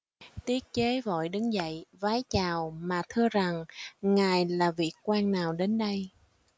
tiết chế vội đứng dậy vái chào mà thưa rằng ngài là vị quan nào đến đây